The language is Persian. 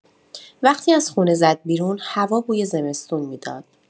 وقتی از خونه زد بیرون، هوا بوی زمستون می‌داد.